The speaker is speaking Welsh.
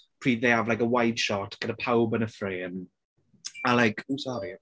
Pryd they have like a wide shot gyda pawb yn y frame a like... Ww sori.